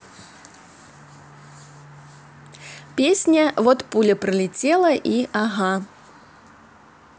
песня вот пуля пролетела и ага